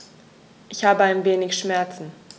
Ich habe ein wenig Schmerzen.